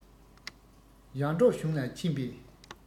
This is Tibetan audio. ཡར འབྲོག གཞུང ལ ཕྱིན པས